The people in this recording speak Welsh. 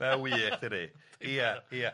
Ma'n wych dydi, ia ia.